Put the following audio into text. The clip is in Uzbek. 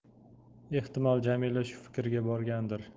ehtimol jamila shu fikrga borgandir